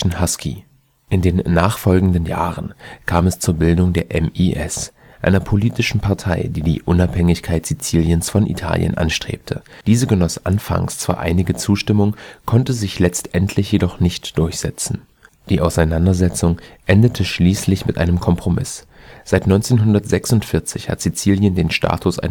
Husky). In den nachfolgenden Jahren kam es zur Bildung der MIS, einer politischen Partei, die die Unabhängigkeit Siziliens von Italiens anstrebte. Diese genoss anfangs zwar einige Zustimmung, konnte sich letztendlich jedoch nicht durchsetzen. Die Auseinandersetzung endete schließlich mit einem Kompromiss: Seit 1946 hat Sizilien den Status